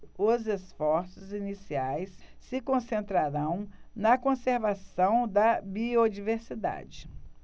os esforços iniciais se concentrarão na conservação da biodiversidade